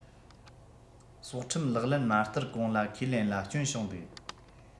སྲོག ཁྲིམས ལག ལེན མ བསྟར གོང ལ ཁས ལེན ལ སྐྱོན བྱུང འདུག